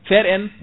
fer en